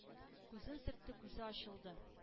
Күзен сөртте — күзе ачылды: